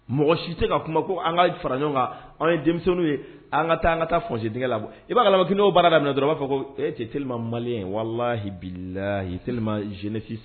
Mɔgɔ si tɛ ka kuma ko an ka fara ɲɔgɔn kan anw ye denmisɛnnin ye an ka taa an ka taa fsen denkɛ la bɔ i b'a la ma k n'o baara min dɔrɔn b'a fɔ ko e cɛ teeli ma mali walahi bi te zfin